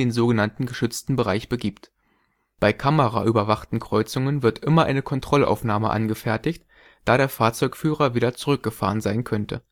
sogenannten geschützten Bereich begibt. Bei kameraüberwachten Kreuzungen wird immer eine Kontrollaufnahme angefertigt, da der Fahrzeugführer wieder zurückgefahren sein könnte